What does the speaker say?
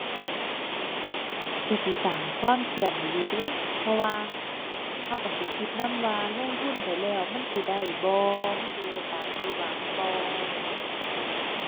ก็สิสร้างความเครียดให้อยู่เดะ เพราะว่าก็ก็สิคิดนำว่าลงทุนไปแล้วมันสิได้บ่ มันสิได้ตามที่หวังบ่ จั่งซี้